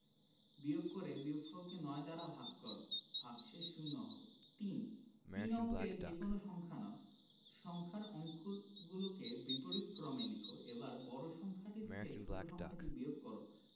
বিয়োগ করে বিয়োগফলকে ৯ দ্বারা ভাগ দাও ভাগশেষ শূন্য হবে ৩ তিন অঙ্কের যেকোনো সংখ্যা নাও সংখ্যার অঙ্কগুলোকে বিপরীতক্রমে লিখ এবার বড় সংখ্যাটি থেকে ছোট সংখ্যাটি বিয়োগ কর